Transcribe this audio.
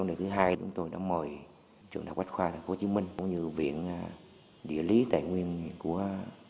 đề thứ hai chúng tôi đã mời trường học bách khoa thành phố hồ chí minh cũng như việc nhà địa lý tài nguyên nghị của